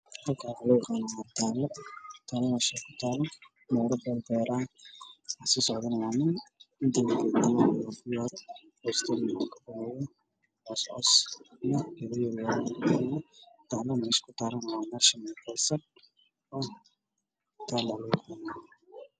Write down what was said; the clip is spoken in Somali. meeshaan waxaa ku yaalo albaab dhagax oo laga galo waxaa ka galayo nin shaati cadaan ah wato